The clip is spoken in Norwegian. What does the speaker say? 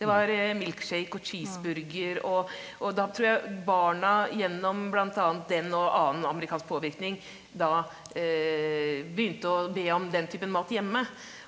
det var milkshake og cheeseburger og og da tror jeg barna gjennom bl.a. den og annen amerikansk påvirkning da begynte å be om den typen mat hjemme.